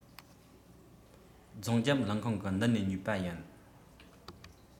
རྫོང རྒྱབ ཀླུ ཁང གི མདུན ནས ཉོས པ ཡིན